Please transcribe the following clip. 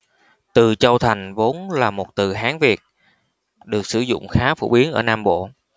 từ châu thành vốn là một từ hán việt được sử dụng khá phổ biến ở nam bộ